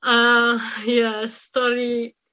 Ah, ie, stori